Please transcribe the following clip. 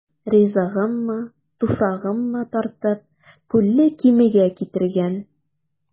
Ризыгыммы, туфрагыммы тартып, Күлле Кимегә китергән.